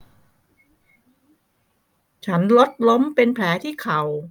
ฉันรถล้มเป็นแผลที่เข่า